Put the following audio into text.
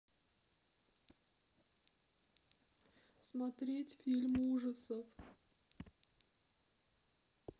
смотреть фильм ужасов